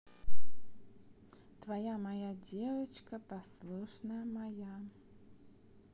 твоя моя девочка послушная моя